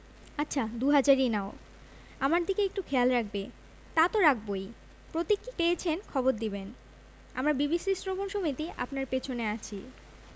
আচ্ছা দু হাজারই নাও আমার দিকে একটু খেয়াল রাখবে তা তো রাখবোই প্রতীক কি পেয়েছেন খবর দিবেন আমরা বিবিসি শ্রবণ সমিতি আপনার পেছনে আছি